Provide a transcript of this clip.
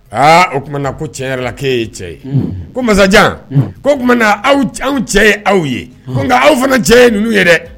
Aa o tumana ko tiɲɛ yɛrɛ la e ye cɛ ye; Unhun; Ko masajan ko o tuma aw anw cɛ ye aw ye; unhun; Ko nka aw fana cɛ ye ninnu ye dɛ